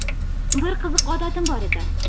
bir qiziq odatim bor edi